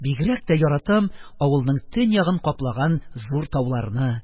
Бигрәк тә яратам авылның төньягын каплаган зур тауларны!